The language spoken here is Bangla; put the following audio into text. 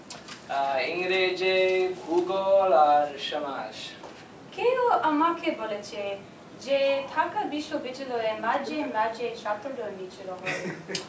ইংরেজি ভূগোল আর সমাজ কেউ আমাকে বলেছে যে ঢাকা বিশ্ববিদ্যালয় এ মাঝে মাঝে ছাত্রদের মিছিল হয়